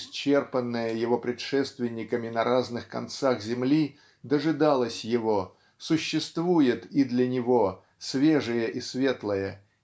исчерпанное его предшественниками на разных концах земли дожидалось его существует и для него свежее и светлое